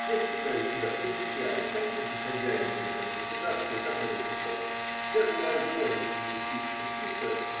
Я считаю себя принципиально таким же хозяином в этом государстве, как и русского: я желаю говорить, учиться, писать.